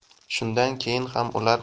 shundan keyin ham ular